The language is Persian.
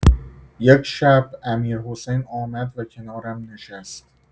یک شب امیرحسین آمد و کنارم نشست.